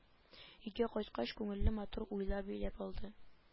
Өйгә кайткач күңелне матур уйлар биләп алды